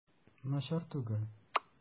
Начар түгел.